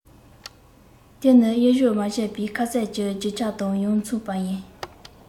དེ ནི གཡོས སྦྱོར མ བྱས པའི ཁ ཟས ཀྱི རྒྱུ ཆ དང ཡང མཚུངས པ ཡིན